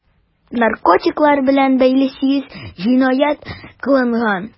Наркотиклар белән бәйле 8 җинаять кылынган.